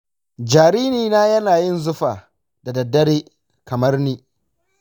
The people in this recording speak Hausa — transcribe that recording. jaririna yana yin zufa da daddare kamar ni.